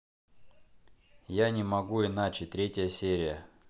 я не могу иначе третья серия